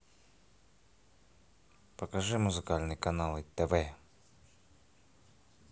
покажи музыкальные каналы тв